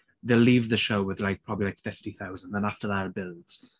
They'll leave the show with like probably like fifty thousand then after that it builds.